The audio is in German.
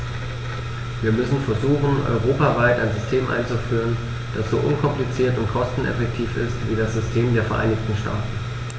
Wir müssen versuchen, europaweit ein System einzuführen, das so unkompliziert und kosteneffektiv ist wie das System der Vereinigten Staaten.